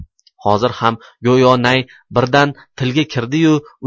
hozir ham go'yo nay birdan tilga kirdi yu